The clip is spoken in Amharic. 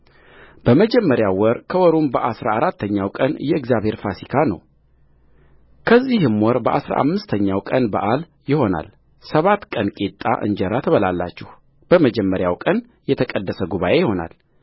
በመጀመሪያው ወር ከወሩም በአሥራ አራተኛው ቀን የእግዚአብሔር ፋሲካ ነውከዚህም ወር በአሥራ አምስተኛው ቀን በዓል ይሆናል ሰባት ቀን ቂጣ እንጀራ ትበላላችሁበመጀመሪያው ቀን የተቀደሰ ጉባኤ ይሆናል